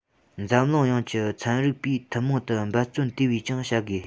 འཛམ གླིང ཡོངས ཀྱི ཚན རིག པས ཐུན མོང དུ འབད བརྩོན དེ བས ཀྱང བྱ དགོས